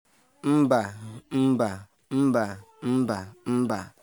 “Mba, mba, mba, mba, mba.